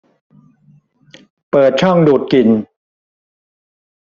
เปิดช่องดูดกลิ่น